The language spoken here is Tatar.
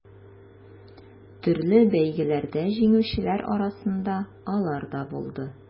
Төрле бәйгеләрдә җиңүчеләр арасында алар да булды.